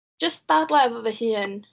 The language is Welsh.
Jyst dadlau efo fy hun.